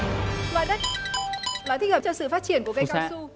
loại đất thích hợp cho sự phát triển của cây cao su